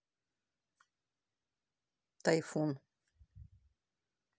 тайфун